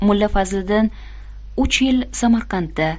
mulla fazliddin uch yil samarqandda